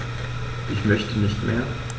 Ich möchte nicht mehr.